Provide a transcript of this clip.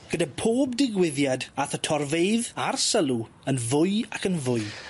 Gyda pob digwyddiad ath y torfeydd a'r sylw yn fwy ac yn fwy.